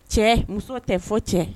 Cɛ muso tɛ fɔ cɛ